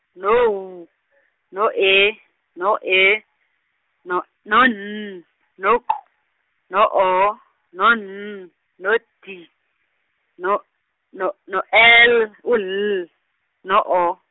no W , no E, no E, no no N, no K, no O, no N, no D, no no no el, u L, no O.